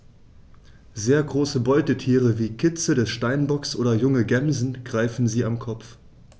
Sehr große Beutetiere wie Kitze des Steinbocks oder junge Gämsen greifen sie am Kopf.